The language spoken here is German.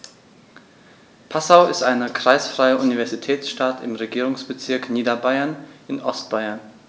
Passau ist eine kreisfreie Universitätsstadt im Regierungsbezirk Niederbayern in Ostbayern.